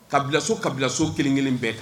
Kabilaso kabila bilaso kelenkelen bɛɛ